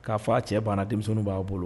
Ka fɔ a cɛ banna denmisɛnninw b'a bolo